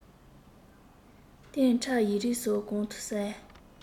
གཏན ཁྲ ཡིག རིགས སོགས གང དུ གསལ